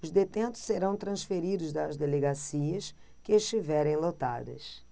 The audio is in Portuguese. os detentos serão transferidos das delegacias que estiverem lotadas